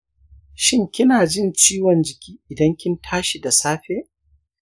shin kina jin ciwon jiki idan kin tashi da safe?